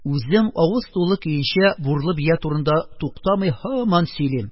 Үзем авыз тулы көенчә бурлы бия турында туктамый һаман сөйлим.